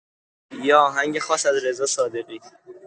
یه آهنگ خاص از رضا صادقی